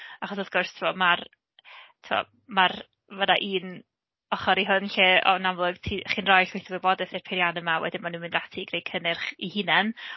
Achos wrth gwrs tibod, ma'r tibod ma'r ma 'na un ochor i hwn, lle o yn amlwg ti chi'n rhoi llwyth o wybodaeth i'r peiriannau yma, a wedyn maen nhw'n mynd ati i greu cynnyrch eu hunain.